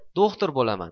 do'xtir bo'laman